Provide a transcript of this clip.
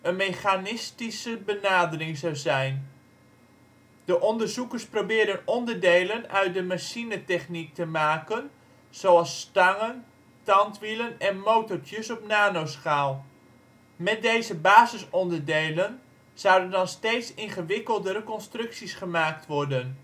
mechanistische benadering zou zijn. De onderzoekers probeerden onderdelen uit de machinetechniek te maken zoals stangen, tandwielen en motortjes op nano-schaal. Met deze basisonderdelen zouden dan steeds ingewikkeldere constructies gemaakt worden